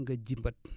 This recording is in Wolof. nga jimbat